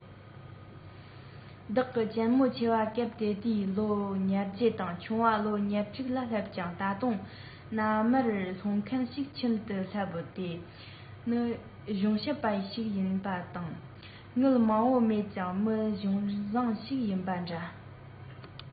བདག གི གཅེན མོ ཆེ བ སྐབས དེ དུས ལོ ཉེར བརྒྱད དང ཆུང བ ལོ ཉེར དྲུག ལ སླེབས ཀྱང ད དུང མནའ མར སློང མཁན ཞིག ཁྱིམ དུ སླེབས དེ ནི གཞུང ཞབས པ ཞིག ཡིན པ དང དངུལ མང པོ མེད ཀྱང མི གཞུང བཟང ཞིག ཡིན པ འདྲ